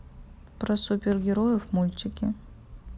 про супергероев мультики